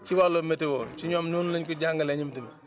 si wàllu météo ci ñoom noonu lañ ko jàngalee ñoom tamit